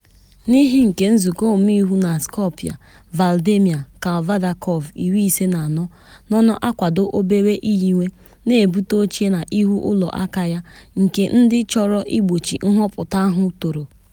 Praịm Minista Zaev kwuru nsonye NATO ga-ebute ntinye ego achọrọ na Macedonia, nke nwere oke enweghị ọrụ karịrị pasentị 20.